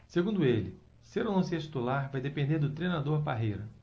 segundo ele ser ou não titular vai depender do treinador parreira